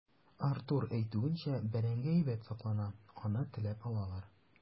Артур әйтүенчә, бәрәңге әйбәт саклана, аны теләп алалар.